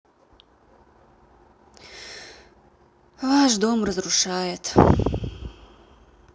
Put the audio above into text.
ваш дом разрушает